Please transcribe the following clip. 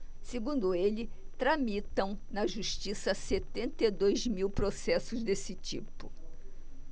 segundo ele tramitam na justiça setenta e dois mil processos desse tipo